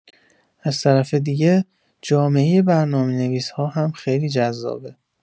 از طرف دیگه، جامعه برنامه‌نویس‌ها هم خیلی جذابه.